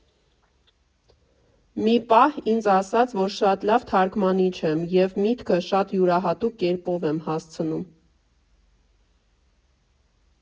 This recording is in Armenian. Մի պահ ինձ ասաց, որ շատ լավ թարգմանիչ եմ և միտքը շատ յուրահատուկ կերպով եմ հասցնում։